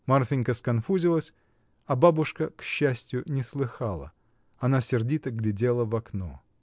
Марфинька сконфузилась, а бабушка, к счастью, не слыхала. Она сердито глядела в окно.